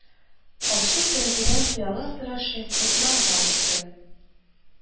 Ачык тәрәзәдән пыяла сыра шешәсе урамга очты